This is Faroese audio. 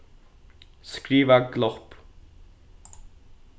skriva glopp